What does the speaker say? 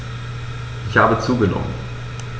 Ich habe zugenommen.